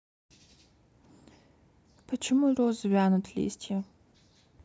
почему розы вянут листья